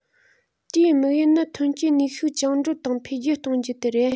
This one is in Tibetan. དེའི དམིགས ཡུལ ནི ཐོན སྐྱེད ནུས ཤུགས བཅིངས འགྲོལ དང འཕེལ རྒྱས གཏོང རྒྱུ དེ རེད